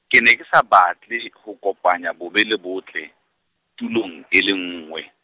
ke ne ke sa batle, ho kopanya bobe le botle, tulong, e le nngwe.